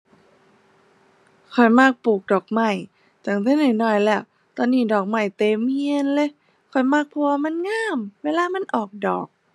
ข้อยมักปลูกดอกไม้ตั้งแต่น้อยน้อยแล้ว ตอนนี้ดอกไม้เต็มเรือนเลย ข้อยมักเพราะว่ามันงามเวลามันออกดอก